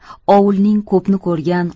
ovulning ko'pni ko'rgan